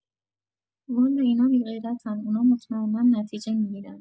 والا اینا بی غیرتن اونا مطمئنن نتیجه می‌گیرن